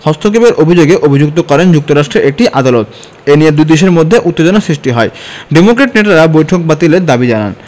হস্তক্ষেপের অভিযোগে অভিযুক্ত করেন যুক্তরাষ্ট্রের একটি আদালত এ নিয়ে দুই দেশের মধ্যে উত্তেজনা সৃষ্টি হয় ডেমোক্র্যাট নেতারা বৈঠক বাতিলের দাবি জানান